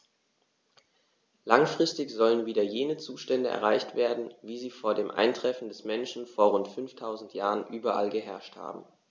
Langfristig sollen wieder jene Zustände erreicht werden, wie sie vor dem Eintreffen des Menschen vor rund 5000 Jahren überall geherrscht haben.